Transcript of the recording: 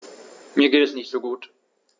Mir geht es nicht gut.